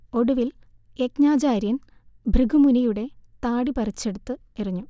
ഒടുവിൽ യജ്ഞാചാരൃൻ ഭൃഗുമുനിയുടെ താടി പറിച്ചെടുത്ത് എറിഞ്ഞു